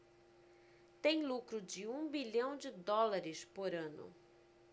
tem lucro de um bilhão de dólares por ano